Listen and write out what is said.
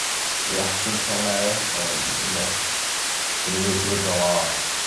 reactions pobol eryll o mae'n ma'n nyts. Swn i mwy tebygol o